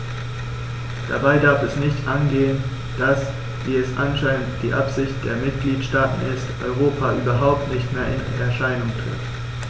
Dabei darf es nicht angehen, dass - wie es anscheinend die Absicht der Mitgliedsstaaten ist - Europa überhaupt nicht mehr in Erscheinung tritt.